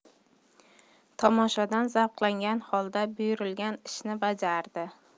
tomoshadan zavqlangan holda buyurilgan ishni bajardi